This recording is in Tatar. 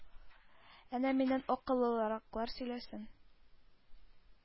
Әнә, миннән акыллыраклар сөйләсен